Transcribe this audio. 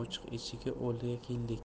ochiq eshigi oldiga keldik